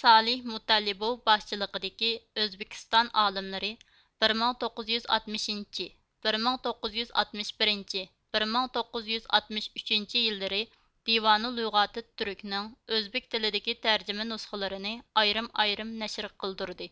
سالىھ مۇتەللىبوۋ باشچىلىقىدىكى ئۆزبېكىستان ئالىملىرى بىر مىڭ توققۇز يۈز ئاتمىشىنچى بىر مىڭ توققۇز يۈز ئاتمىش بىرىنچى بىر مىڭ توققۇز يۈز ئاتمىش ئۈچىنچى يىللىرى دىۋانۇ لۇغاتىت تۈرك نىڭ ئۆزبېك تىلىدىكى تەرجىمە نۇسخىلىرىنى ئايرىم ئايرىم نەشر قىلدۇردى